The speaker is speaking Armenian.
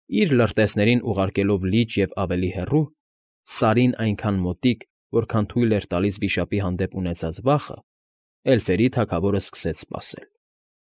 Իր լրտեսներին ուղարկելով լիճ և ավելի հեռու, Սարին այնքան մոտիկ, որքան թույլ էր տալիս վիշապի հանդեպ ունեցած վախը, էլֆերի թագավորն սկսեց սպասել։